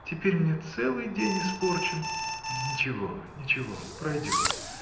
Теперь мне целый день испорчен! — Ничего, ничего — пройдет!